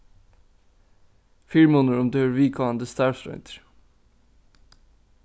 fyrimunur um tú hevur viðkomandi starvsroyndir